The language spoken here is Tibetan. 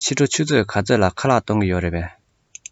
ཕྱི དྲོ ཆུ ཚོད ག ཚོད ལ ཁ ལག གཏོང གི རེད པས